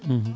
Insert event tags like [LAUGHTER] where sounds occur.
[HESITATION] [HESITATION]